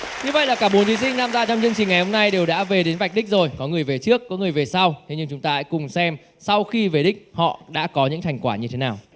như vậy là cả bốn thí sinh tham gia trong chương trình ngày hôm nay đều đã về đến vạch đích rồi có người về trước có người về sau thế nhưng chúng ta hãy cùng xem sau khi về đích họ đã có những thành quả như thế nào